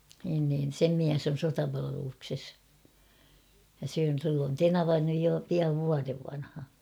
niin niin sen mies on sotapalveluksessa ja sillä on tenava nyt jo pian vuoden vanha